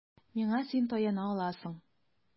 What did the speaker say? Миңа син таяна аласың.